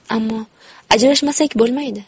ammo ajrashmasak bo'lmaydi